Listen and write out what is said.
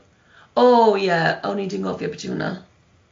Oh ie, o'n i 'di anghofio bet' yw hwnna.